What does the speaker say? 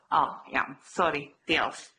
O, iawn, sori, diolch.